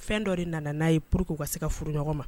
Fɛn dɔ de nana n'a ye purke u ka se ka furu ɲɔgɔn ma